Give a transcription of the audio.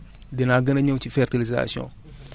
mais nag dinaa gën a ñëw ci fertilisation